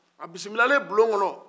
a bisimilayilen bulon kɔnɔ